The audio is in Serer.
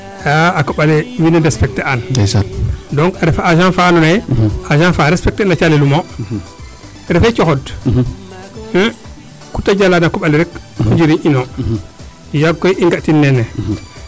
a a koɓale weene respecter aan donc a refa agent faa ando naye agent faa respect te na calel umoo refee coxod kute jalaa na koɓale rek o njiriñ ino yaag koy i nga tin neene